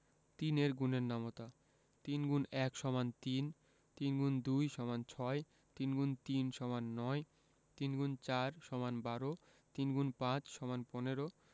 ৩ এর গুণের নামতা ৩ X ১ = ৩ ৩ X ২ = ৬ ৩ × ৩ = ৯ ৩ X ৪ = ১২ ৩ X ৫ = ১৫